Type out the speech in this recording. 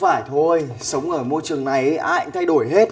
phải thôi sống ở môi trường này ý ai cũng thay đổi hết